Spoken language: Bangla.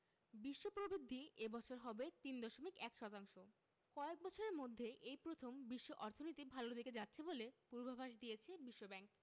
বিশ্ব প্রবৃদ্ধি এ বছর হবে ৩.১ শতাংশ কয়েক বছরের মধ্যে এই প্রথম বিশ্ব অর্থনীতি ভালোর দিকে যাচ্ছে বলে পূর্বাভাস দিয়েছে বিশ্বব্যাংক